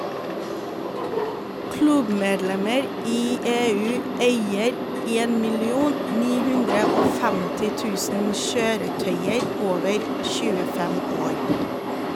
Klubbmedlemmer i EU eier 1 950 000 kjøretøyer over 25 år.